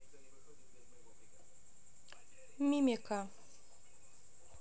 мимика